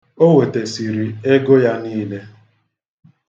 O wetesiri ego ya niile.